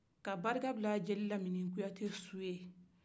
ka barika bila jeli lamini kuyate su ye